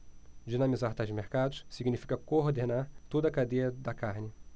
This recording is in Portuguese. dinamizar tais mercados significa coordenar toda a cadeia da carne